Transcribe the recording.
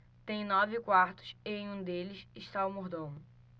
tem nove quartos e em um deles está o mordomo